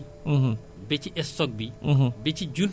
gis nga boroom usines yi ñoom dañuy assurer seen usines yi